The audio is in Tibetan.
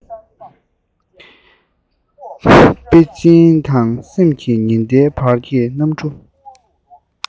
པེ ཅིན དང སེམས ཀྱི ཉི ཟླའི བར གྱི གནམ གྲུ